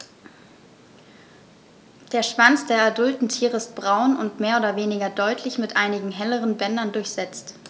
Der Schwanz der adulten Tiere ist braun und mehr oder weniger deutlich mit einigen helleren Bändern durchsetzt.